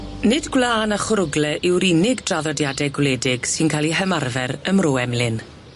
Nid gwlan a chwrwgle yw'r unig draddodiade gwledig sy'n ca'l 'u hymarfer ym Mro Emlyn.